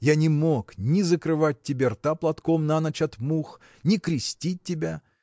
Я не мог ни закрывать тебе рта платком на ночь от мух ни крестить тебя.